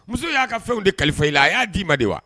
Muso y'a ka fɛnw de kalifa i la a y'a di ma de wa.